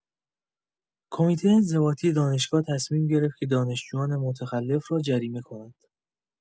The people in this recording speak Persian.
کمیتۀ انضباطی دانشگاه تصمیم گرفت که دانشجویان متخلف را جریمه کند.